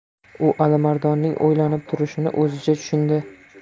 u alimardonning o'ylanib turishini o'zicha tushundi